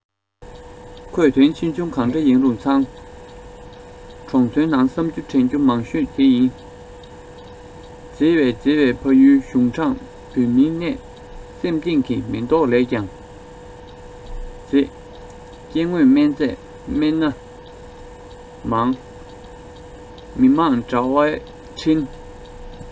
ཁོས དོན ཆེ ཆུང གང འདྲ ཡིན རུང ཚང གྲོང ཚོའི ནང བསམ རྒྱུ དྲན རྒྱུ མང ཤོས དེ ཡིན མཛེས བའི མཛེས བའི ཕ ཡུལ ཞུང དྲང བོད མི གནད སེམ ཏིང གི མེ ཏོག ལས ཀྱང མཛེས སྐྱེ དངོས རྨན རྫས སྣེ ཁ མང མི དམངས དྲ བའི འཕྲིན